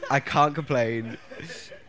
I can't complain.